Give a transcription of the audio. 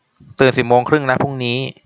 ตื่นสิบโมงครึ่งนะพรุ่งนี้